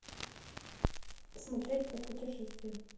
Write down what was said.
смотреть про путешествия